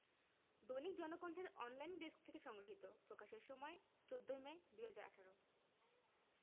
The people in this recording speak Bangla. দৈনিক জনকণ্ঠের অনলাইন ডেস্ক হতে সংগৃহীত প্রকাশের সময় ১৪ মে ২০১৮